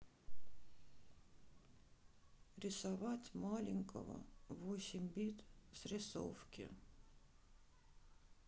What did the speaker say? рисовать маленького восемь бит с рисовки